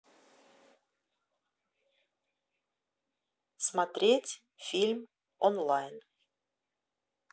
смотреть фильм онлайн